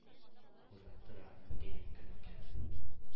Күренеп тора, Әнкәйнең кем икәнен